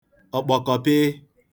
ọ̀kpọ̀kọ̀pịị